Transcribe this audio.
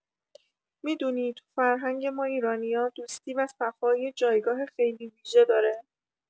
می‌دونی، تو فرهنگ ما ایرانیا، دوستی و صفا یه جایگاه خیلی ویژه داره.